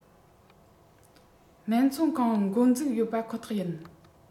སྨན ཚོང ཁང འགོ འཛུགས ཡོད པ ཁོ ཐག ཡིན